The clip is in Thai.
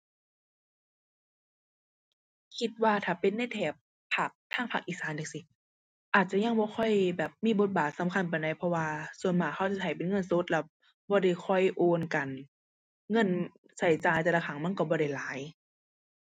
คิดว่าถ้าเป็นในแถบ ภาค ทางภาคอีสานจั่งซี้ อาจจะยังบ่ค่อยแบบมีบทบาทสำคัญปานใด เพราะว่าส่วนมากเราจะใช้เป็นเงินสดแล้วบ่ได้ค่อยโอนกัน เงินเราจ่ายแต่ละครั้งมันเราบ่ได้หลาย